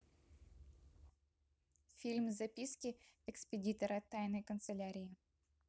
фильм записки экспедитора тайной канцелярии